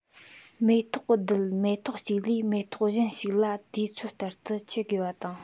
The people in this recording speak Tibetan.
མེ ཏོག གི རྡུལ མེ ཏོག གཅིག ལས མེ ཏོག གཞན ཞིག ལ དུས ཚོད ལྟར དུ མཆེད དགོས པ དང